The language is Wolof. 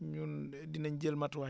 ñun dinañ jël matuwaay